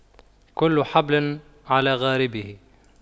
كل حبل على غاربه